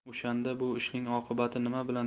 o'shanda bu ishning oqibati nima bilan